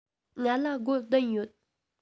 ང ལ སྒོར བདུན ཡོད